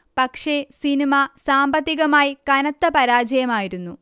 പക്ഷേ സിനിമ സാമ്പത്തികമായി കനത്ത പരാജയമായിരുന്നു